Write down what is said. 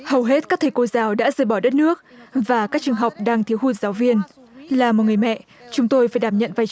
hầu hết các thầy cô giáo đã rời bỏ đất nước và các trường học đang thiếu hụt giáo viên là một người mẹ chúng tôi phải đảm nhận vai